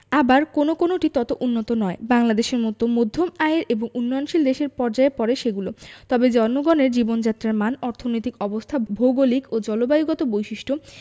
আবার কোনো কোনোটি তত উন্নত নয় বাংলাদেশের মতো মধ্যম আয়ের এবং উন্নয়নশীল দেশের পর্যায়ে পড়ে সেগুলো তবে জনগণের জীবনযাত্রার মান অর্থনৈতিক অবস্থা ভৌগলিক ও জলবায়ুগত বৈশিষ্ট্য